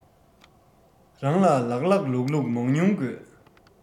རང ལ ལགས ལགས ལུགས ལུགས མང ཉུང དགོས